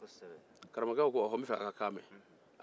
karamɔgɔkɛ ko awɔ n b'a fe k'a ka kan mɛn